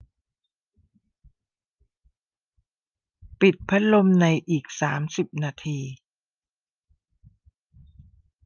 ปิดพัดลมในอีกสามสิบนาที